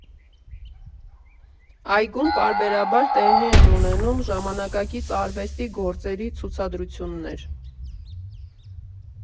Այգում պարբերաբար տեղի են ունենում ժամանակակից արվեստի գործերի ցուցադրություններ։